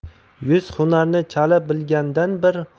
yuz hunarni chala bilgandan